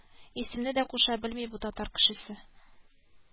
Әни үзенә чәй, ә миңа кофе алды.